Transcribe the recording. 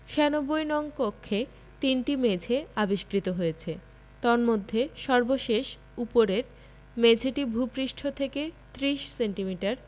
৯৬ নং কক্ষে তিনটি মেঝে আবিষ্কৃত হয়েছে তন্মধ্যে সর্বশেষ উপরের মেঝেটি ভূপৃষ্ঠ থেকে ৩০ সেন্টিমিটার